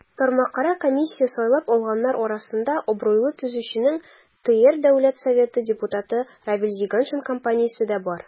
Тармакара комиссия сайлап алганнар арасында абруйлы төзүченең, ТР Дәүләт Советы депутаты Равил Зиганшин компаниясе дә бар.